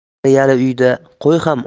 qariyali uyda qo'y ham